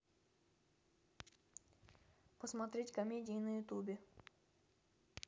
посмотреть комедии на ютубе